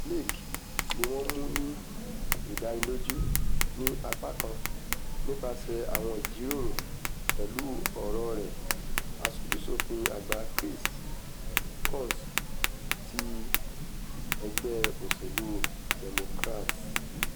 Flake ni wọ́n mú ní ìdánilójú ni apá kan nípaṣẹ́ àwọn ìjíròrò pẹ̀lú ọ̀rẹ́ rẹ̀ Aṣojú-ṣòfin Àgbà Chris Coons ti ẹgbẹ́ òṣèlú Democrats.